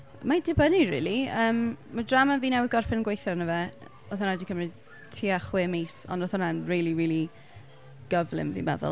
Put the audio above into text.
Mae'n dibynnu rili. yym mae'r drama fi newydd gorffen gweithio arno fe, oedd hwnna 'di cymryd tua chwe mis, ond roedd hwnna'n rili rili gyflym dwi'n meddwl.